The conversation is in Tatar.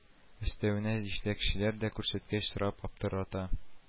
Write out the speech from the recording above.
Өстәвенә, җитәкчеләр дә күрсәткәч сорап аптырата